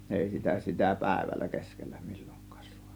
ei sitä sitä päivällä keskellä milloinkaan saanut